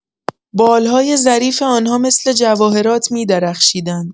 بال‌های ظریف آنها مثل جواهرات می درخشیدند.